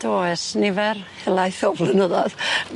Do e's nifer helaeth o flynyddodd.